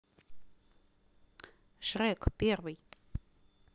шрек первый